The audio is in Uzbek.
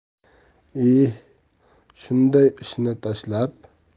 ie shunday ishni tashlab